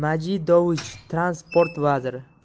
majidovich transport vaziri